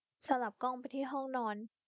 สลับกล้องไปที่ห้องนอน